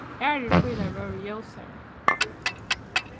aðrir fílar vóru ljósari